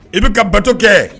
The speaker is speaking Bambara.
I bɛ ka bato kɛ